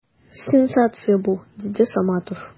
Сенсация бу! - диде Саматов.